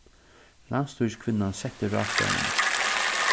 landsstýriskvinnan setti ráðstevnuna